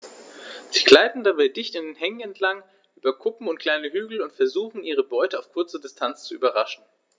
Sie gleiten dabei dicht an Hängen entlang, über Kuppen und kleine Hügel und versuchen ihre Beute auf kurze Distanz zu überraschen.